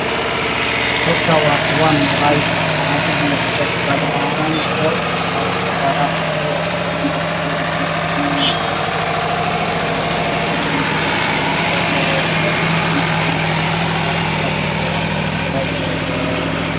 Halkaan waa kawaan malaay waxaa ka buuxo dad badan oo hilib gadanaayo